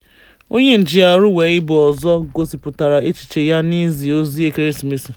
Onye njiarụ Weibo ọzọ gosipụtara echiche ya n'iji ozi ekeresimesi: